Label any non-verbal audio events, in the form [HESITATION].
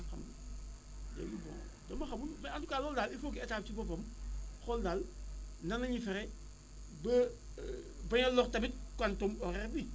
xam nga loolu bon dama xamul mais en tout cas loolu daal il faut état bi ci boppam xool daal nan la ñuy fexee ba [HESITATION] yelloog tamit qauntum horraire bi